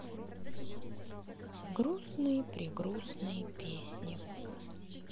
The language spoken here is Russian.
грустные прегрустные песни